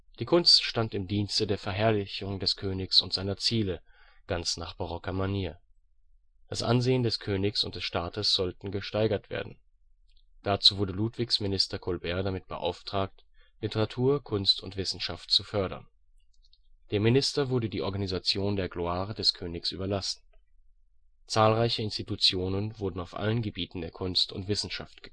Die Kunst stand im Dienste der Verherrlichung des Königs und seiner Ziele, ganz nach barocker Manier. Das Ansehen des Königs und des Staates sollte gesteigert werden; dazu wurde Ludwigs Minister Colbert damit beauftragt, Literatur, Kunst und Wissenschaft zu fördern. Dem Minister wurde die Organisation der „ Gloire “des Königs überlassen. Zahlreiche Institutionen wurden auf allen Gebieten der Kunst und Wissenschaft